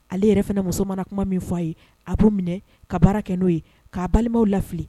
Ale yɛrɛ fana muso mana kuma min fɔ a ye a b'u minɛ ka baara kɛ n'o ye k'a balimaw lafili